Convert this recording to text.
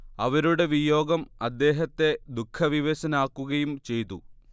അവരുടെ വിയോഗം അദ്ദേഹത്തെ ദുഃഖവിവശനാക്കുകയും ചെയ്തു